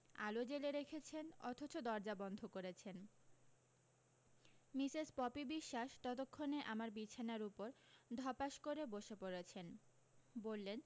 আলো জেলে রেখেছেন অথচ দরজা বন্ধ করেছেন মিসেস পপি বিশ্বাস ততক্ষণে আমার বিছানার উপর ধপাস করে বসে পড়েছেন বললেন